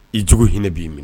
I jugu hinɛ b'i minɛ